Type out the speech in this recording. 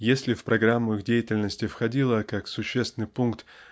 если в программу их деятельности входило как существенный пункт